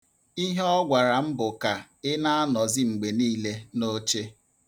Ihe ọ gwara m bụ ka ị na-anọzi mgbe niile n'oche.